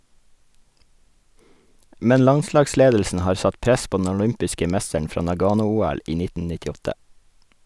Men landslagsledelsen har satt press på den olympiske mesteren fra Nagano-OL i 1998.